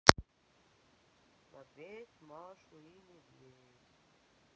смотреть машу и медведь